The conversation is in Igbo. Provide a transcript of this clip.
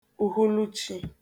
ùhuluchi